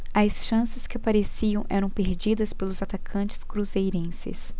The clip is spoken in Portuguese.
as chances que apareciam eram perdidas pelos atacantes cruzeirenses